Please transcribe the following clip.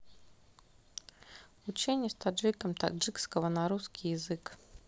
учение с таджиком таджикского на русский язык